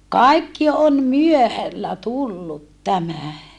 kaikki on myöhällä tullut tämä